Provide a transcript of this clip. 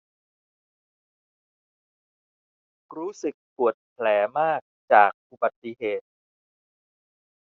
รู้สึกปวดแผลมากจากอุบัติเหตุ